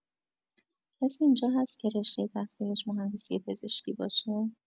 کسی اینجا هست که رشته تحصیلیش مهندسی پزشکی باشه؟